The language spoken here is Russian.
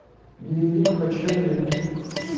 дневник хача ютуб